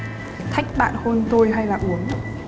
thách bạn hôn tôi hay là uống